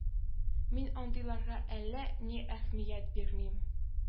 Мин андыйларга әллә ни әһмият бирмим